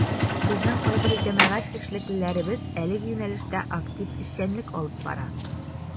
Безнең кайбер җәмәгать эшлеклеләребез әлеге юнәлештә актив эшчәнлек алып бара.